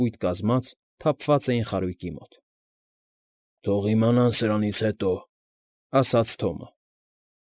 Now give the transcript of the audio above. Կույտ կազմած թափված էին խարույկի մոտ։ ֊ Թող իմանան սրանից հետո,֊ ասաց Թոմը։